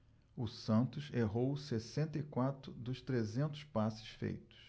o santos errou sessenta e quatro dos trezentos passes feitos